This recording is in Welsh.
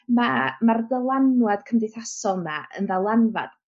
Ma' ma'r ddylanwad cymdeithasol 'ma yn